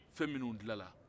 fɛn minnu dilanna